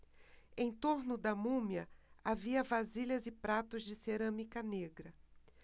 em torno da múmia havia vasilhas e pratos de cerâmica negra